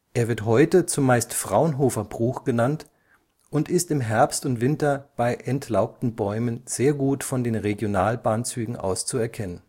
Er wird heute zumeist Fraunhofer-Bruch genannt und ist im Herbst und Winter bei entlaubten Bäumen sehr gut von den Regiobahnzügen aus zu erkennen